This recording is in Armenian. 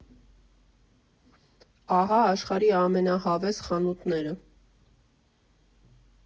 Ահա աշխարհի ամենահավես խանութները։